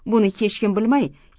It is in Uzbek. buni hech kim bilmay